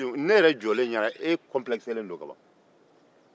e kɔnpilɛkisilen don kaban ne yɛrɛ jɔlen ɲɛna